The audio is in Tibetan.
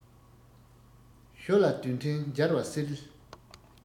ཞོ ལ རྡུལ ཕྲན འབྱར བ སེལ